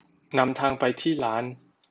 นำทางไปที่ร้าน